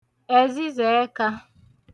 ẹ̀zịzàẹkā